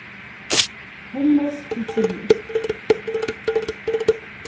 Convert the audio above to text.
hummus við kili